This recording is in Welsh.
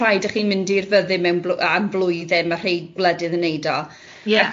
rhaid i chi mynd i'r fyddin mewn blw- yy am flwyddyn, mae rhai gwledydd yn wneud o. Ie.